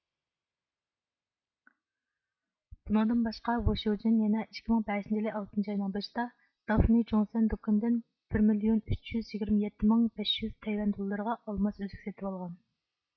بۇنىڭدىن باشقا ۋۇشيۇجېن يەنە ئىككىمىڭ بەشىنچى يىلى ئالتىنچى ئاينىڭ بېشىدا دافنىي جۇڭسەن دۇكىنىدىن بىر مىليون ئۈچ يۈز يىگىرمە يەتتە مىڭ بەش يۈز تەيۋەن دوللىرىغا ئالماس ئۈزۈك سېتىۋالغان